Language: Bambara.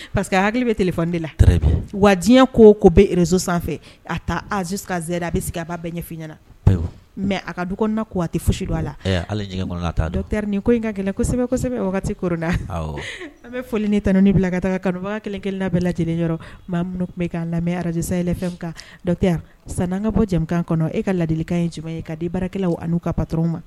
Pa parce que a hakili bɛ tile fande la wajibi ko ko bɛ rez sanfɛ a taa azse a bɛ sigi a ba bɛɛ ɲɛfin ɲɛnaɲɛna mɛ a ka duna ko kuyate foyisi don a lateri nin ko in ka gɛlɛn kosɛbɛsɛbɛ o koda an bɛ foli ni tan ni bila ka taa kanubaga kelenkelenla bɛɛ lajɛ lajɛlenyɔrɔ maa minnu tun bɛ kaa lamɛn arazsa ye kan dɔtɛyara san' ka bɔ jamana kɔnɔ e ka ladili ye jama ye kaa di baarakɛlaw ani n ka patow ma